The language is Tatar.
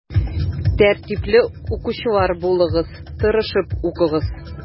Тәртипле укучылар булыгыз, тырышып укыгыз.